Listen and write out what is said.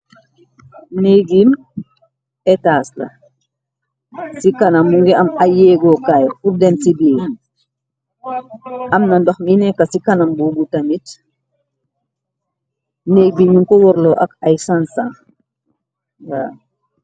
Néggi étas la. ci kanam mu ngi am ay yéegookaay pur dem ci biir. Amna ndoh mi nekka ci kanam bo bu tamit néeg bi ñu ko warloo ak ay sensan.